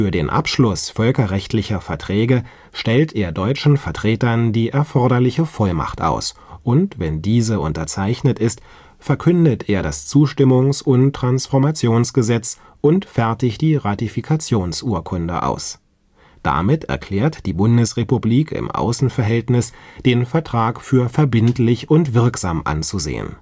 den Abschluss völkerrechtlicher Verträge stellt er deutschen Vertretern die erforderliche Vollmacht aus und wenn diese unterzeichnet ist, verkündet er das Zustimmungs - und Transformationsgesetz und fertigt die Ratifikationsurkunde aus. Damit erklärt die Bundesrepublik im Außenverhältnis, den Vertrag für verbindlich und wirksam anzusehen